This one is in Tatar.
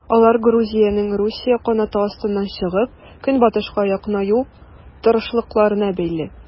Алар Грузиянең Русия канаты астыннан чыгып, Көнбатышка якынаю тырышлыкларына бәйле.